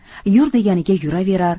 yur deganiga yuraverar